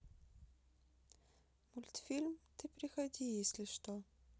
мультфильм ты приходи если что